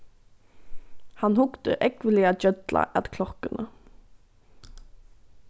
hann hugdi ógvuliga gjølla at klokkuni